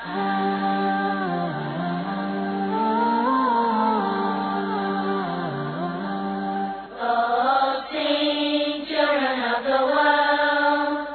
San wa den jama wa